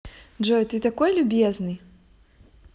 джой ты такой любезный